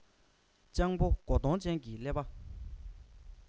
སྤྱང པོ མགོ སྟོང ཅན གྱི ཀླད པ